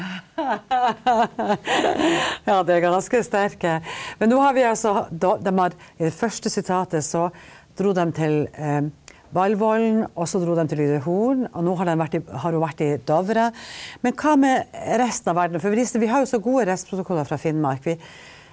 ja, det er ganske sterke, men nå har vi altså dem har i det første sitatet, så dro dem til Ballvollen, også dro dem til Lyderhorn, og nå har dem vært i har hun vært i Dovre, men hva med resten av verden, for vi har jo så gode rettsprotokoller fra Finnmark, vi.